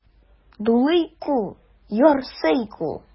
Дулый күл, ярсый күл.